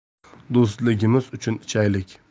do'stligimiz uchun ichaylik